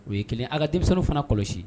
O ye kelen a ka denmisɛnninmi fana kɔlɔsi